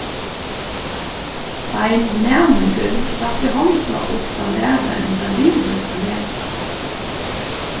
ein næmingur rætti hondina upp tá lærarin var liðugur at lesa